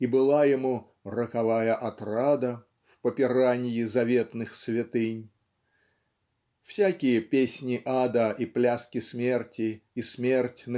и была ему "роковая отрада в попираньи заветных святынь". Всякие песни ада и пляски смерти и смерть